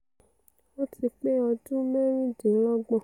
O tí pé ọdún mẹ́rìndínlọ́gbọ̀n.